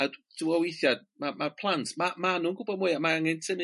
A d- t'w'o' weithia' ma' ma'r plant ma' ma' nhw'n gwbod mwy a mae angen tynnu